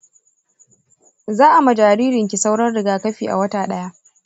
za'a ma jaririnki sauran rigakafi a wata ɗaya.